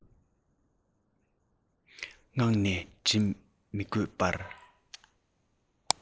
མངགས ནས འདྲི མི དགོས པར